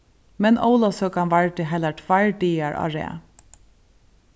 men ólavsøkan vardi heilar tveir dagar á rað